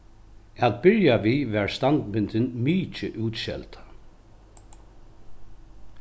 at byrja við varð standmyndin mikið útskeldað